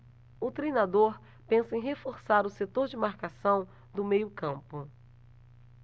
o treinador pensa em reforçar o setor de marcação do meio campo